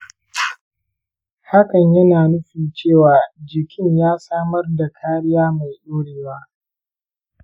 hakan yana nufin cewa jikin ya samar da kariya mai dorewa.